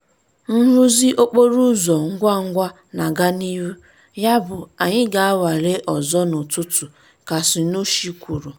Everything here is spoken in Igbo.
"Nrụzi okporo ụzọ ngwa ngwa na-aga n'ihu, yabụ anyị ga-anwale ọzọ n'ụtụtụ," ka Cernuschi kwuru.